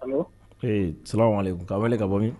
Allo ee salamuhaleku k’an wele ka bɔ min ?